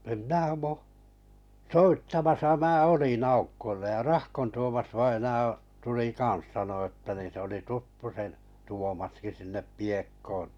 en minä - soittamassa minä olin Aukolle ja Rahkon - Tuomas-vainaa tuli kanssa sanoi että niin se oli tuttu sen Tuomaskin sinne Piekkoon